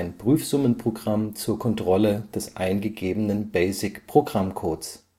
Prüfsummenprogramm zur Kontrolle des eingegebenen BASIC-Programmcodes